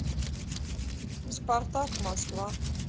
спартак москва